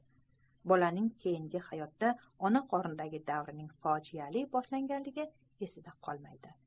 bolaning keyingi hayotida ona qornidagi davrining fojiali boshlanganligi esida qolmaydi